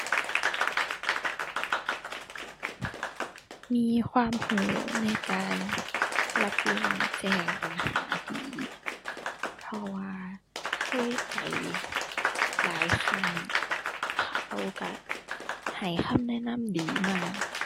มีความรู้ในการรับเรื่องแจ้งปัญหาดี เพราะว่าเคยไปหลายครั้งเขารู้ให้คำแนะนำดีมาก